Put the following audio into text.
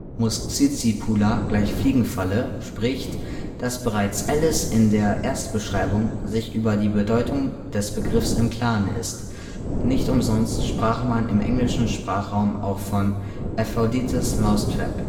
muscicipula = Fliegenfalle) spricht, dass bereits Ellis in der Erstbeschreibung sich über die Bedeutung des Begriffs im Klaren ist, nicht umsonst sprach man im englischen Sprachraum auch von „ Aphrodite’ s Mousetrap